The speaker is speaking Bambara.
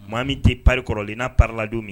Maa min tɛ panrik kɔrɔlen n'a paladon min